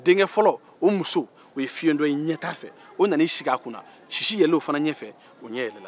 denkɛfɔlɔ o muso o ye fiɲɛtɔ ye yɛ t'a fɛ o nan'i sig'a kunna sisi yɛlɛ o fana ɲɛ fɛ o ɲɛ yɛlɛla